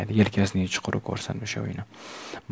yelkasining chuquri ko'rsin o'sha uyni